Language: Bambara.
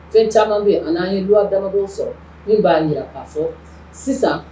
Fɛn caman bɛ an' an ye du dama sɔrɔ min b'a ka fɔ sisan